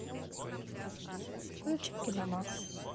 включи киномикс